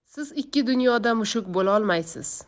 siz ikki dunyoda mushuk bo'lolmaysiz